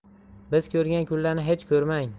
biz ko'rgan kunlarni hech ko'rmang